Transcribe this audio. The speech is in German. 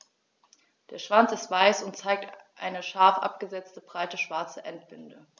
Der Schwanz ist weiß und zeigt eine scharf abgesetzte, breite schwarze Endbinde.